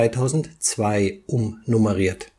3002 umnummeriert